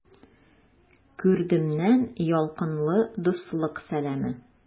Күрдемнән ялкынлы дуслык сәламе!